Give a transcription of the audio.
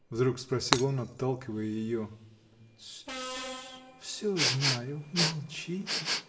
— вдруг спросил он, отталкивая ее. — Тс-тс — всё знаю — молчите.